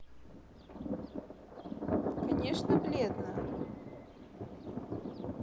конечно бледно